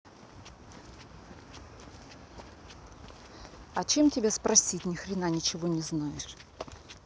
а чем тебя спросить нихрена ничего не знаешь